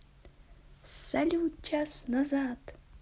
салют час назад